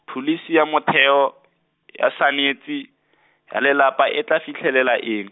pholisi ya motheo, ya sanetsi-, ya lelapa e tla fitlhelela eng?